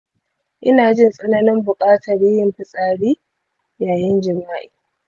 ina jin tsananin buƙatar yin fitsari yayin jima’i.